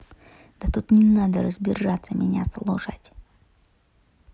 да тут не надо разбираться меня слушать